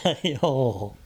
joo